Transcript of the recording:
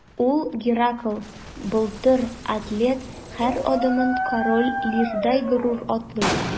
Ул – Геракл, Былтыр, атлет – һәр адымын Король Лирдай горур атлый.